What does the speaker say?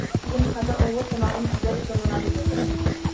Килен: хәле авыр, тамагым кибә, дип зарлана, диде.